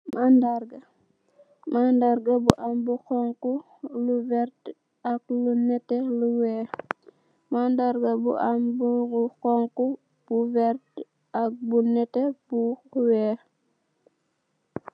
Mandarga bu am lu xhong khu lu werta lu neteh lu wekh